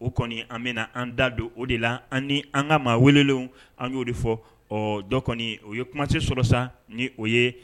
O kɔni an bɛna an da don o de la, an ka maa welelenw an y'o de fɔ, ɔ dɔ kɔni o ye kumaso sɔrɔ sa ni o ye